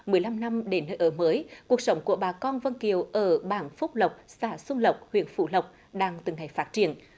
mười lăm năm đến nơi ở mới cuộc sống của bà con vân kiều ở bảng phúc lộc xã xuân lộc huyện phú lộc đang từng ngày phát triển